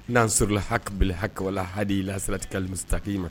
N'an siril haki bil haki walahadi ila siratikalmustakiima